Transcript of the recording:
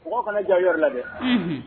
Mɔgɔ kana diya yɔrɔ la dɛ